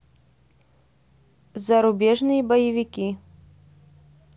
зарубежные боевики